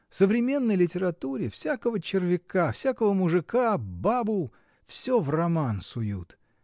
В современной литературе всякого червяка, всякого мужика, бабу — всё в роман суют.